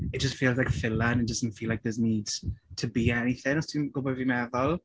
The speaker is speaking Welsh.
It just feels like a filler and it doesn't feel like there's need to be anything os ti'n gwybod be fi'n meddwl?